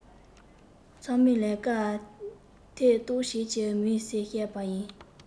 ཚང མའི ལས ཀར ཐེ གཏོགས བྱེད ཀྱི མིན ཟེར བཤད པ ཡིན